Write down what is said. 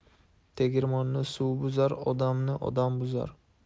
tegirmonni suv buzar odamni odam buzar